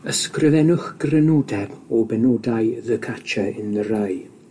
Ysgrifennwch grynodeb o benodau The Catcher in the Rye.